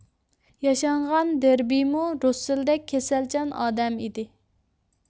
ياشانغان دېربيمۇ رۇسسېلدەك كېسەلچان ئادەم ئىدى